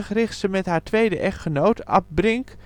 richt ze met haar tweede echtgenoot Ab Brink